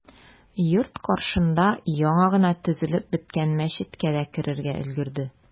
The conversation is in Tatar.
Йорт каршында яңа гына төзелеп беткән мәчеткә дә керергә өлгерде.